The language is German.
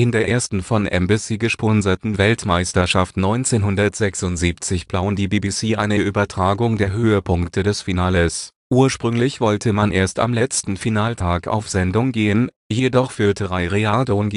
der ersten von Embassy gesponserten Weltmeisterschaft 1976 plante die BBC eine Übertragung der Höhepunkte des Finales. Ursprünglich wollte man erst am letzten Finaltag auf Sendung gehen, jedoch führte Ray Reardon